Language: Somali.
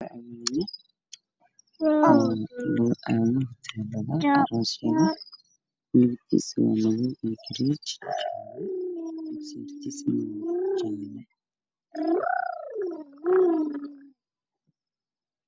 Waa sariir maxaa saaran go joodari madow go-aan dhulka waa caddaan iyago jaalo